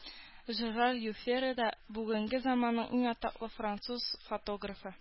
Жерар Юфера да – бүгенге заманның иң атаклы француз фотографы